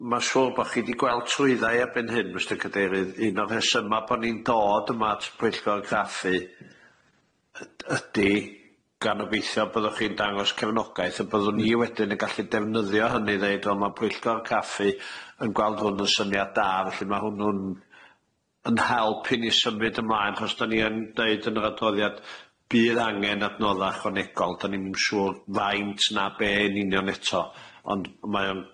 Ma'n siŵr bo' chi di gweld trwyddai erbyn hyn Mistar Cadeirydd un o'r rhesyma bo ni'n dod yma at Pwyllgor y Craffu yd- ydi gan obeithio byddwch chi'n dangos cefnogaeth a byddwn i wedyn yn gallu defnyddio hynny i ddeud wel ma' Pwyllgor Craffu yn gweld hwn yn syniad da. Felly ma' hwnnw'n yn help i ni symud ymlaen achos 'dan i yn deud yn yr adroddiad bydd angen adnodda ychwanegol 'dan i'm yn shŵr faint na be yn union eto ond mae o'n